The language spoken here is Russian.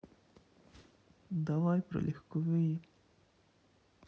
давай про легковые